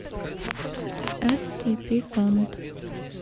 scp фонд